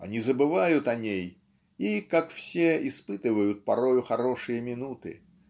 они забывают о ней и, как все, испытывают порою хорошие минуты.